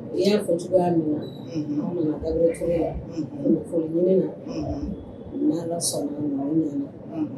N'i y'a kɔ min na ɲamakala muso nafolo ɲini na' sɔnna nana